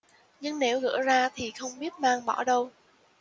nhưng nếu gỡ ra thì không biết mang bỏ đâu